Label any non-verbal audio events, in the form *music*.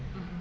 *hesitation* *hesitation*